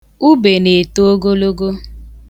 Ube na-eto ogologo.